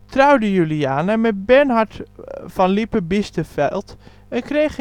trouwde Juliana met Bernhard van Lippe-Biesterfeld en